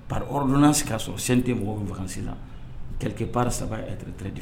Par ordonnance k'a sɔrɔ CNT mɔgɔw be vacances la quelque part ça va etre très dif